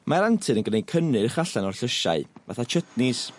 Mae'r antur yn gneud cynnyrch allan o'r llysiau fatha chutneys